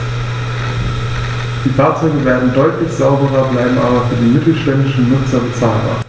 Die Fahrzeuge werden deutlich sauberer, bleiben aber für die mittelständischen Nutzer bezahlbar.